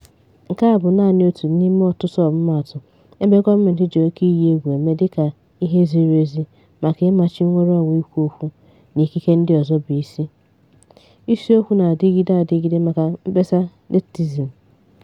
Nke a bụ naanị otu n'ime ọtụtụ ọmụmaatụ ebe gọọmentị ji oke iyi egwu eme dịka ihe ziri ezi maka ịmachi nnwereonwe ikwu okwu na ikike ndị ọzọ bụ isi - isiokwu na-adịgide adịgide maka Mkpesa Netizen.